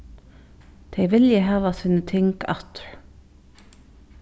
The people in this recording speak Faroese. tey vilja hava síni ting aftur